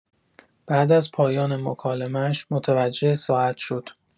بعد از پایان مکالمه‌اش متوجه ساعت شد.